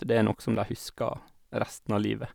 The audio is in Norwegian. Og det er noe som de husker resten av livet.